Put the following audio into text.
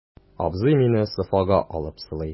Абзый мине софага алып сылый.